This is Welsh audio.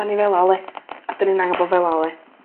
a ni fel 'a yli. A 'dan ni angan bod fel 'a yli.